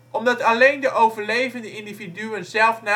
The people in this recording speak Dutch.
Omdat alleen de overlevende individuen zelf nageslacht